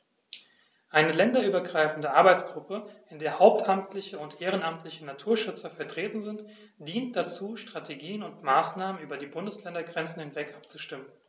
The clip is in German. Eine länderübergreifende Arbeitsgruppe, in der hauptamtliche und ehrenamtliche Naturschützer vertreten sind, dient dazu, Strategien und Maßnahmen über die Bundesländergrenzen hinweg abzustimmen.